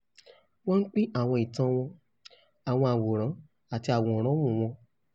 Wọ́n ń pín àwọn ìtàn wọn, àwọn àwòrán àti àwòránhùn wọn.